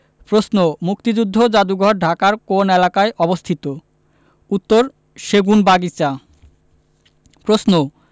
প্রশ্ন মুক্তিযুদ্ধ যাদুঘর ঢাকার কোন এলাকায় অবস্থিত উত্তরঃ সেগুনবাগিচা প্রশ্ন